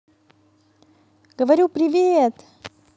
говорю привет